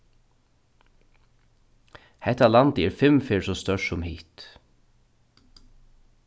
hetta landið er fimm ferðir so stórt sum hitt